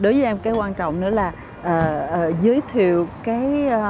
đối với em cái quan trọng nữa là ờ ờ giới thiệu cái